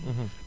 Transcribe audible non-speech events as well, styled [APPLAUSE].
[HESITATION] [HESITATION]